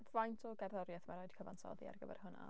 Faint o gerddoriaeth mae raid cyfansoddi ar gyfer hwnna?